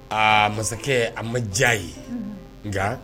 Aa masakɛ a ma diya ye nka